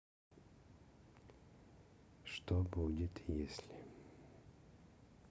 что будет если